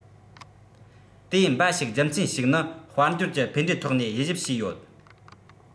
དེ འབའ ཞིག རྒྱུ མཚན ཞིག ནི དཔལ འབྱོར གྱི ཕན འབྲས ཐོག ནས དབྱེ ཞིབ བྱས ཡོད